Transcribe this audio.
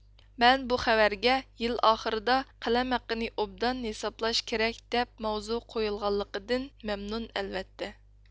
مەن بۇ خەۋەرگە يىل ئاخىرىدا قەلەم ھەققىنى ئوبدان ھېسابلاش كېرەك دەپ ماۋزۇ قويۇلغانلىقىدىن مەمنۇن ئەلۋەتتە